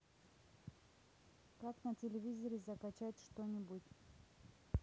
как на телевизоре закачать что нибудь